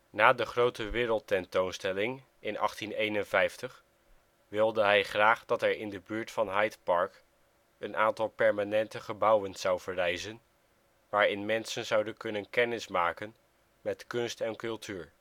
Na de grote Wereldtentoonstelling in 1851 wilde hij graag dat er in de buurt van Hyde Park een aantal permanente gebouwen zou verrijzen waarin mensen zouden kunnen kennismaken met kunst en cultuur